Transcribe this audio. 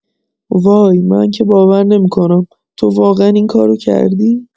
وای، من که باور نمی‌کنم، تو واقعا این کارو کردی؟